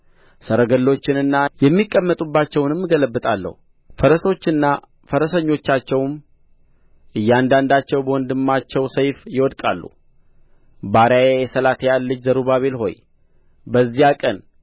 ሰረገሎችንና የሚቀመጡባቸውንም እገለብጣለሁ ፈረሶችና ፈረሰኞቻቸውም እያንዳንዳቸው በወንድማቸው ሰይፍ ይወድቃሉ ባሪያዬ የሰላትያል ልጅ ዘሩባቤል ሆይ በዚያ ቀን